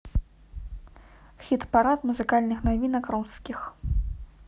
хит парад музыкальных новинок русских